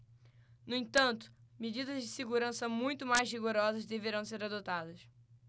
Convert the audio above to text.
no entanto medidas de segurança muito mais rigorosas deverão ser adotadas